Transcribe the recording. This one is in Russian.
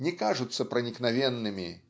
не кажутся проникновенными